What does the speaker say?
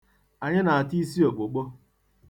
Anyị na-ata isi okpokpo.